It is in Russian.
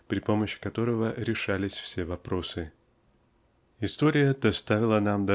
при помощи которого решались все вопросы. История доставила нам.